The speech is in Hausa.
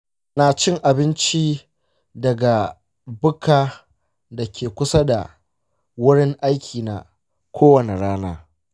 na cin abinci daga buƙka da ke kusa da wurin aikina kowace rana.